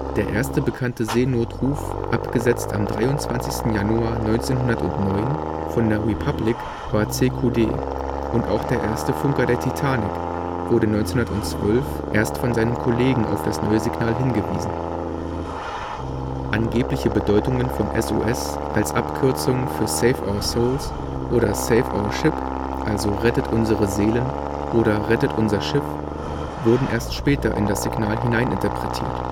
Der erste bekannte Seenotruf, abgesetzt am 23. Januar 1909 von der Republic, war CQD, und auch der Erste Funker der Titanic wurde 1912 erst von seinem Kollegen auf das neue Signal hingewiesen. Angebliche Bedeutungen von SOS als Abkürzung für save our souls oder save our ship („ Rettet unsere Seelen “oder „ Rettet unser Schiff “) wurden erst später in das Signal hineininterpretiert